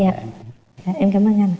dạ em cám ơn anh